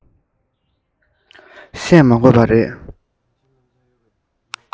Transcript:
བཤད མ དགོས པ རེད